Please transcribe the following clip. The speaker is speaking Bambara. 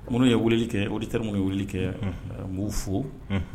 Mun n'ye weleli kɛ, Auditeurs mun ye weleli kɛ, unhun, an bɛ u fo, unhun